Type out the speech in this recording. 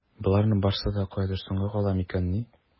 Боларның барсы да каядыр соңга кала микәнни?